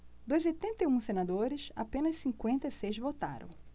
dos oitenta e um senadores apenas cinquenta e seis votaram